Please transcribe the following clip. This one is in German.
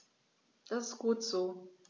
Das ist gut so.